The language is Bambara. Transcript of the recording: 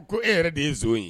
A ko e yɛrɛ de yeo ye